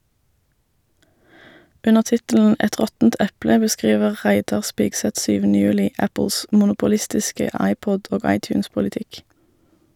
Under tittelen "Et råttent eple" beskriver Reidar Spigseth 7. juli Apples monopolistiske iPod- og iTunes-politikk.